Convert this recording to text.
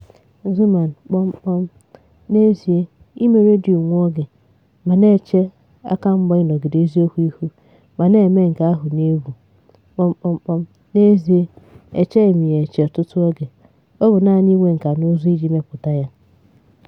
Xuman : N'eziokwu ime redio nwa oge ma na-eche akamgba ịnọgide eziokwu ihu, ma na-eme nke ahụ n'egwu ... N'ezịe, echeghị m ya eche ọtụtụ oge, ọ bụ naanị inwe nkànaụzụ iji mepụta ya.